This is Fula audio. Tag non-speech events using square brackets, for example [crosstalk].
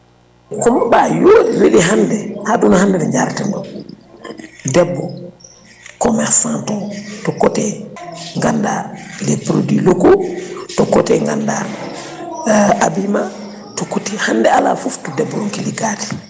Coumba Ba [noise] weeli hande aduna hande ɗo jareten ɗo debbo commerçante o de côté ganduɗa des produits locaux de côté ganduɗa [hesitation] habillement de côté hande ala foof to debbo ronki liggade